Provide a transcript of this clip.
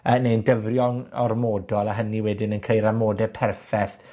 hynny yw dyfrio'n ormodol, a hynny wedyn yn creu'r amode perffeth